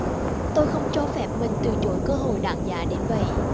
tôi không cho phép mình từ chối cơ hội đáng giá đến vậy